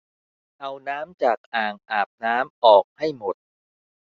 เอาน้ำจากอ่างอาบน้ำออกให้หมด